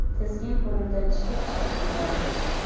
tizgin qo'limdan chiqib chiqib ketardi